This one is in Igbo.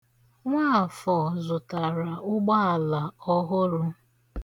Nwaàfọ̀ zụtara ụgbaala ọhụrụ.